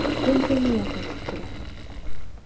Зәмзәмия кайтып керә.